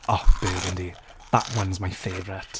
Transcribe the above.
Oh, burgundy. That one's my favourite.